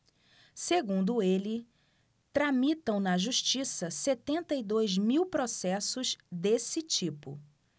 segundo ele tramitam na justiça setenta e dois mil processos desse tipo